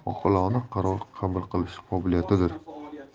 vaziyatlarda oqilona qaror qabul qilish qobiliyatidir